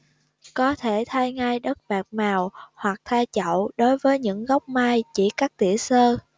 có thể thay ngay đất bạc màu hoặc thay chậu đối với những gốc mai chỉ cắt tỉa sơ